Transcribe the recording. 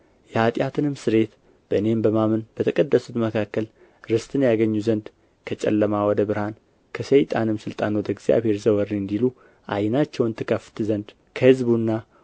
የኃጢአትንም ስርየት በእኔም በማመን በተቀደሱት መካከል ርስትን ያገኙ ዘንድ ከጨለማ ወደ ብርሃን ከሰይጣንም ሥልጣን ወደ እግዚአብሔር ዘወር እንዲሉ ዓይናቸውን ትከፍት ዘንድ ከሕዝቡና